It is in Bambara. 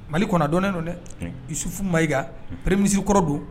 Mali kɔnɔ dɔɔninnen don dɛ isufu ma ika pre minisi kɔrɔ don